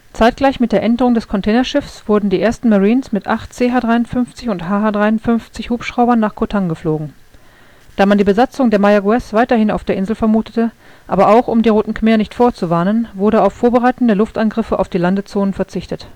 Zeitgleich mit der Enterung des Containerschiffs wurden die ersten Marines mit acht CH-53 - und HH-53-Hubschraubern nach Koh Tang geflogen. Da man die Besatzung der Mayaguez weiterhin auf der Insel vermutete, aber auch, um die Roten Khmer nicht vorzuwarnen, wurde auf vorbereitende Luftangriffe auf die Landezonen verzichtet